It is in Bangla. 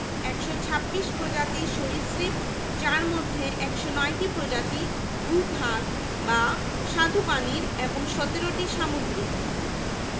১২৬ প্রজাতির সরীসৃপ যার মধ্যে ১০৯টি প্রজাতি ভূ ভাগ বা স্বাদুপানির এবং ১৭টি সামুদ্রিক